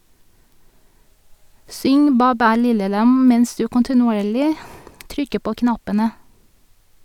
Syng "Bæ bæ lille lam" mens du kontinuerlig trykker på knappene.